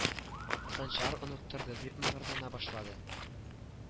Санчар оныттырды дип мыгырдана башлады